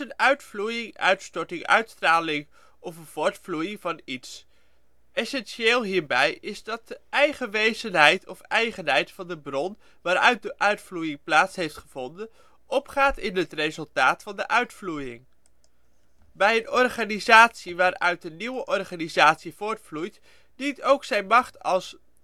uitvloeiing, uitstorting, uitstraling of een voortvloeiing van iets. Essentieel hierbij is dat de eigen wezenheid of eigenheid van de bron waaruit de uitvloeiing plaats heeft gevonden opgaat in het resultaat van zijn uitvloeiing. Bij een organisatie waaruit een nieuwe organisatie voortvloeit dient ook zijn macht als